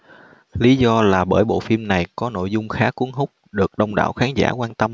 lý do là bởi bộ phim này có nội dung khá cuốn hút được đông đảo khán giả quan tâm